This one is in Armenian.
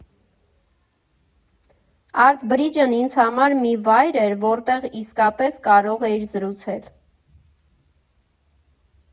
Արտ Բրիջն ինձ համար մի վայր էր, որտեղ իսկապես կարող էիր զրուցել։